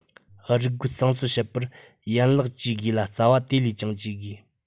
རུལ རྒོལ གཙང སྤེལ བྱེད པར ཡན ལག བཅོས དགོས ལ རྩ བ དེ བས ཀྱང བཅོས དགོས